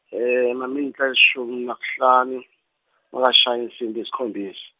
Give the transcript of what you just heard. emaminitsi lalishumi nakuhlanu , kungekashayi insimbi yesikhombisa.